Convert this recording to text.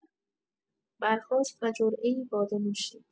برخاست و جرعه‌ای باده نوشید.